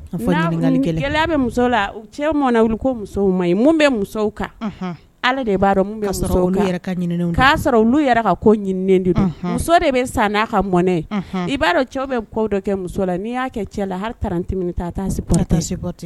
A bɛ muso cɛ mɔn wuli ma bɛ muso kan ala de b'a sɔrɔ yɛrɛ ɲinin do muso de bɛ san n'a ka mɔnɛ i b'a dɔn cɛw bɛ kɔ kɛ muso la n'i y'a kɛ cɛ la hali taarati ta taa se